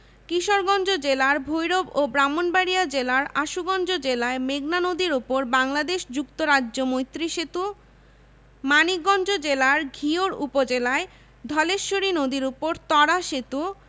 কিশোরগঞ্জ জেলার ভৈরব ও ব্রাহ্মণবাড়িয়া জেলার আশুগঞ্জ উপজেলায় মেঘনা নদীর উপর বাংলাদেশ যুক্তরাজ্য মৈত্রী সেতু মানিকগঞ্জ জেলার ঘিওর উপজেলায় ধলেশ্বরী নদীর উপর ত্বরা সেতু